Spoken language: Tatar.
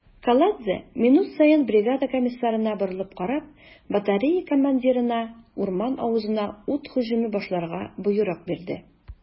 Каладзе, минут саен бригада комиссарына борылып карап, батарея командирына урман авызына ут һөҗүме башларга боерык бирде.